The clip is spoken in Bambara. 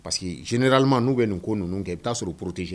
Parce que jr'ma n'u bɛ nin ko ninnu kɛ i bɛ taa' sɔrɔ porotee